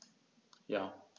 Ja.